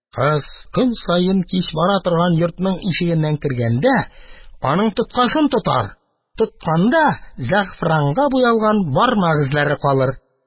«кыз көн саен кич бара торган йортның ишегеннән кергәндә, аның тоткасын тотар, тотканда, зәгъфранга буялган бармак эзләре калыр.